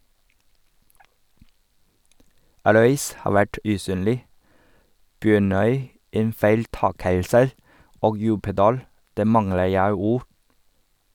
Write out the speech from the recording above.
Røys har vært usynlig, Bjørnøy en feiltakelse og Djupedal - der mangler jeg ord.